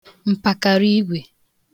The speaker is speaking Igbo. m̀pàkàrìigwe